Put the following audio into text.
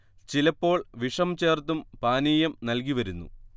ചിലപ്പോൾ വിഷം ചേർത്തും പാനിയം നൽകി വരുന്നു